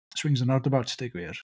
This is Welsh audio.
Swings and roundabouts deud gwir.